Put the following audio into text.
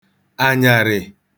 ànyàrị̀